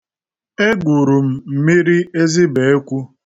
Egwuru m mmiri Ezibekwu.